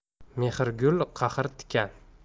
mehr gul qahr tikan